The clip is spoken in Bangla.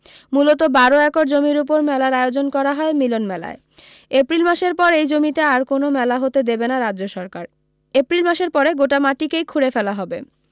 মূলত বারো একর জমির ওপর মেলার আয়োজন করা হয় মিলন মেলায় এপ্রিল মাসের পর এই জমিতে আর কোনও মেলা হতে দেবে না রাজ্য সরকার এপ্রিল মাসের পরে গোটা মাঠটিকেই খুঁড়ে ফেলা হবে